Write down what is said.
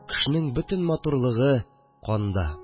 Кешенең бөтен матурлыгы – канда